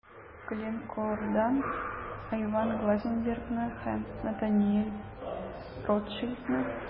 Glencore'дан Айван Глазенбергны һәм Натаниэль Ротшильдны.